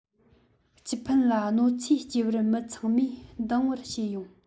སྤྱི ཕན ལ གནོད འཚེ སྐྱེལ བར མི ཚང མས སྡང བར བྱས ཡོང